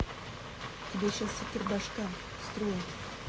тебе сейчас секирбашка строю